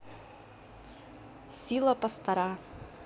сила пастора